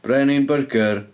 Brenin byrgyr.